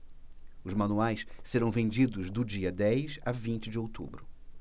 os manuais serão vendidos do dia dez a vinte de outubro